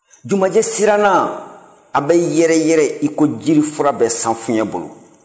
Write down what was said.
jumanjɛ siranna a bɛ yɛrɛyɛrɛ iko jiri fura bɛ sanfiɲɛ bolo